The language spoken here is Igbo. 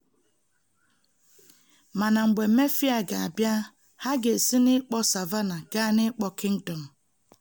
Mana mgbe mefịa ga-abịa, ha ga-esi n'ịkpọ "Savannah" gaa n'ịkpọ Kingdom'